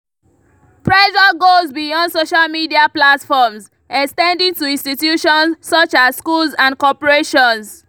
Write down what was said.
Pressure goes beyond social media platforms, extending to institutions such as schools and corporations.